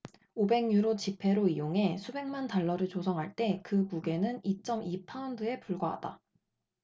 오백 유로 지폐로 이용해 수백만 달러를 조성할 때 그 무게는 이 쩜 이 파운드에 불과하다